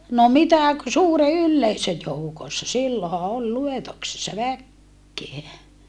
no mitä - suuren yleisön joukossa silloinhan oli luetuksessa väkeä